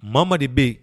Mama de be yen